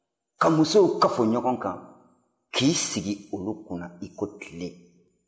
ka muso kafo ɲɔgɔn kan k'i sigi olu kunna iko tile